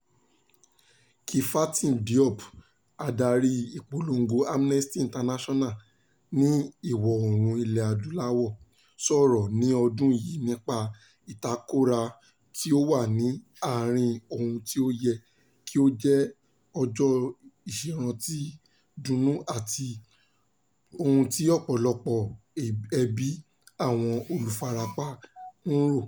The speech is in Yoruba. Kiné-Fatim Diop, adarí ìpolongo Amnesty International ní Ìwọ̀-oòrùn Ilẹ̀-Adúláwọ̀, sọ̀rọ̀ ní ọdún yìí nípa ìtakora tí ó wà ní àárín ohun tí ó yẹ kí ó jẹ́ ọjọ́ ìṣèrántí-dunnú àti ohun tí ọ̀pọ̀lọpọ̀ ẹbí àwọn olùfarapa ń rò: